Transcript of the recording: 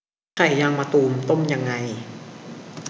ไข่ยางมะตูมต้มยังไง